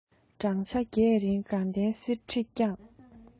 བགྲང བྱ བརྒྱད རིང དགའ ལྡན གསེར ཁྲི བསྐྱངས